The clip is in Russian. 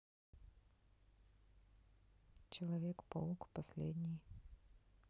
человек паук последний